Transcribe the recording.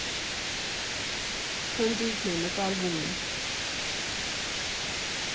Խնջույք է, նկարվում են.